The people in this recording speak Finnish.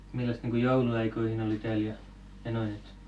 millaista niin kuin joulun aikoihin oli täällä ja noin että